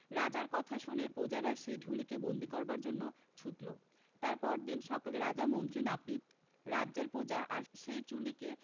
রাজার কথা শুনে প্রজারা সেই ঢুলিকে বন্দী করবার জন্যে ছুটল তার পরদিন সকালে রাজা মন্ত্রী নাপিত রাজ্যের প্রজা আর সেই চুলিকে